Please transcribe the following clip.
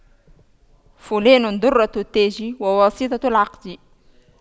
فلان دُرَّةُ التاج وواسطة العقد